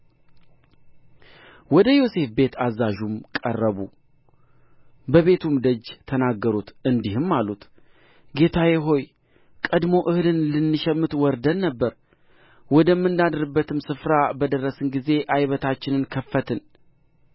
ወደ ዮሴፍ ቤት አዛዥም ቀረቡ በቤቱም ደጅ ተናገሩት እንዲህም አሉት ጌታዬ ሆይ ቀድሞ እህልን ልንሸምት ወርደን ነበር ወደምናድርበትም ስፍራ በደረስን ጊዜ ዓይበታችንን ከፈትን